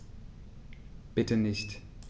Bitte nicht.